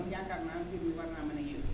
yaakaar naa mbir mi war naa mën a yemb